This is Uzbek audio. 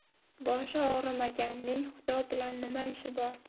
boshi og'rimaganning xudo bilan nima ishi bor